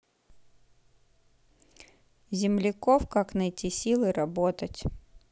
земляков как найти силы работать